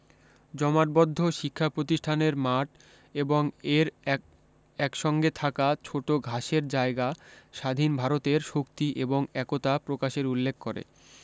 জমাটবদ্ধ শিক্ষা প্রতিষ্ঠানের মাঠ এবং এর এক সঙ্গে থাকা ছোট ঘাসের জায়গা স্বাধীন ভারতের শক্তি এবং একতা প্রকাশের উল্লেখ করে